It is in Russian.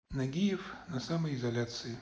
нагиев на самоизоляции